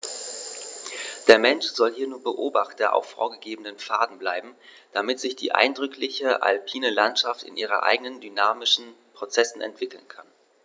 Der Mensch soll hier nur Beobachter auf vorgegebenen Pfaden bleiben, damit sich die eindrückliche alpine Landschaft in ihren eigenen dynamischen Prozessen entwickeln kann.